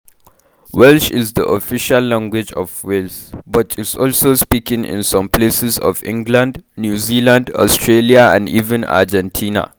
Welsh is the official language of Wales, but is also spoken in some places of England, New Zealand, Australia and even Argentina.